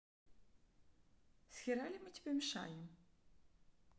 схерали мы тебе мешаем